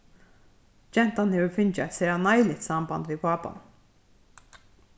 gentan hevur fingið eitt sera neiligt samband við pápan